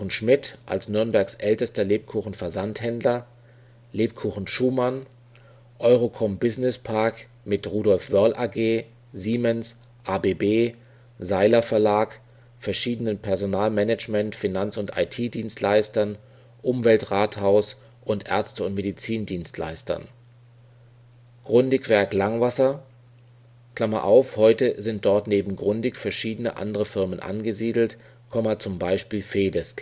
Lebkuchen-Schmidt (Nürnbergs ältester Lebkuchen-Versandhändler) Lebkuchen Schumann Eurocom-Businesspark (Rudolf Wöhrl AG, Siemens, ABB, Sailer-Verlag, verschiedene Personalmanagement -, Finanz - und IT-Dienstleister, Umweltrathaus, Ärzte und Medizindienstleister) Grundig-Werk Langwasser (heute sind dort neben Grundig verschiedene andere Firmen angesiedelt z. B. Vedes